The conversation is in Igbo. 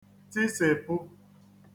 tisepu